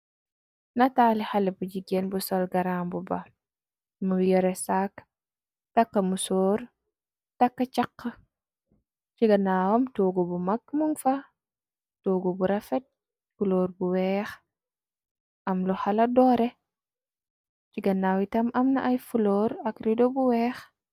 Nataali xalibu jigéen bu sol garaam bu ba muy yore saak tàkka mu soor tàkk càq ci gannaawam toogu bu mag mun fa toogu bu rafet kuloor bu weex am lu xala doore ci ganawitam amna ay fuloor ak rido bu weex.